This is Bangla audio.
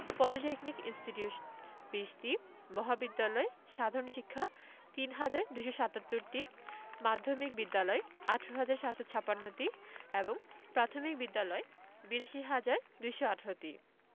পলিটেকনিক ইনস্টিটিউট ২০টি মহাবিদ্যালয় সাধারণ শিক্ষা ৩হাজার ২৭৭টি মাধ্যমিক বিদ্যালয় ১৮হাজার ৭৫৬টি এবং প্রাথমিক বিদ্যালয় ৮২হাজার ২১৮টি